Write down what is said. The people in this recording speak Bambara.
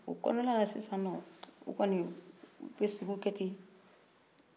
o kɔnɔna na sisan nɔ u kɔni bɛ sigiw kɛ ten